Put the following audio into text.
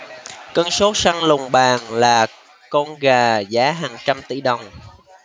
cơn sốt săn lùng bàn là con gà giá hàng trăm tỷ đồng